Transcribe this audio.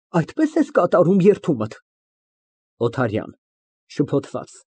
Այդպե՞ս ես կատարում երդումդ։ ՕԹԱՐՅԱՆ ֊ (Շփոթված)